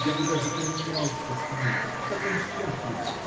Я бы даже поменялся с ним. Как он счастлив